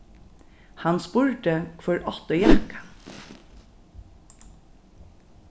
hann spurdi hvør átti jakkan